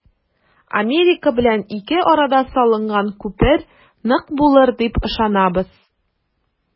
Америка белән ике арада салынган күпер нык булыр дип ышанабыз.